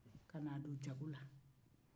ka na a don jago la